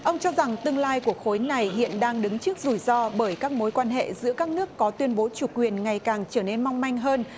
ông cho rằng tương lai của khối này hiện đang đứng trước rủi ro bởi các mối quan hệ giữa các nước có tuyên bố chủ quyền ngày càng trở nên mong manh hơn